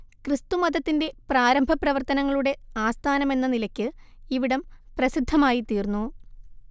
ക്രിസ്തുമതത്തിന്റെ പ്രാരംഭപ്രവർത്തനങ്ങളുടെ ആസ്ഥാനമെന്ന നിലയ്ക്ക് ഇവിടം പ്രസിദ്ധമായിത്തീർന്നു